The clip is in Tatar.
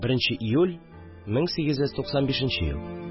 1 нче июль, 1895 ел